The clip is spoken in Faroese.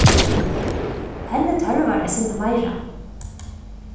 henni tørvar eitt sindur meira